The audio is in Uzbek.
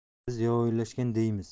biz yovvoyilashgan deymiz